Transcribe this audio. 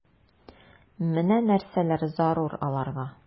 Менә нәрсәләр зарур аларга...